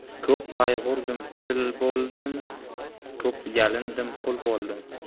ko'p qayg'urdim sil boidim ko'p yalindim qui boidim